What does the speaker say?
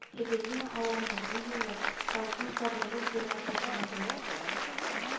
Эвелина аларны бу юлы салкын сабырлык белән каршылады